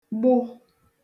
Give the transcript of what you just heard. gbụ